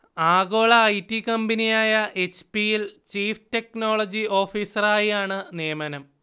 ആഗോള I. T. കമ്പനിയായ H. P. യിൽ ചീഫ് ടെക്നോളജി ഓഫീസറായാണ് നിയമനം